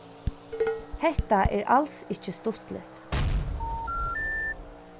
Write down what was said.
hetta er als ikki stuttligt